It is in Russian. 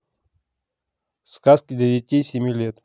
сказки для детей семи лет